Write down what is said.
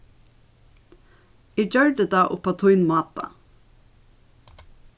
eg gjørdi tað upp á tín máta